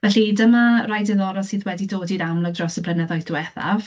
Felly dyma rai diddorol sydd wedi dod i'r amlwg dros y blynyddoedd diwethaf.